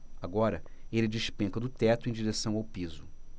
agora ele despenca do teto em direção ao piso